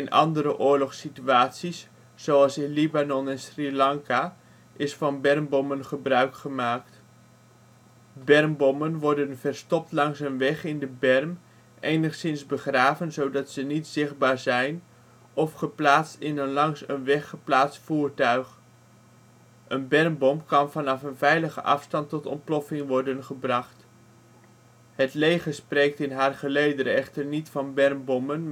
andere oorlogssituaties zoals in Libanon en Sri Lanka is van bermbommen gebruik gemaakt. Bermbommen worden verstopt langs een weg in de berm, enigszins begraven zodat ze niet zichtbaar zijn, of geplaatst in een langs een weg geplaatst voertuig. Een bermbom kan van een veilige afstand tot ontploffing worden gebracht. Het leger spreekt in haar gelederen echter niet van bermbommen